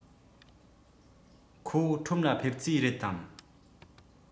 ཁོ ཁྲོམ ལ ཕེབས རྩིས རེད དམ